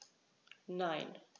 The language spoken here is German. Nein.